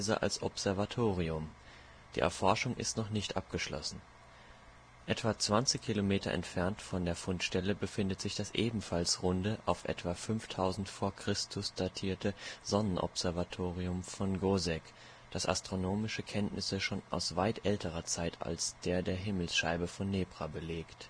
als Observatorium. Die Erforschung ist noch nicht abgeschlossen. Etwa 20 Kilometer entfernt von der Fundstelle befindet sich das ebenfalls runde, auf etwa 5000 v. Chr. datierte Sonnenobservatorium von Goseck, das astronomische Kenntnisse schon aus weit älterer Zeit als der der Himmelsscheibe von Nebra belegt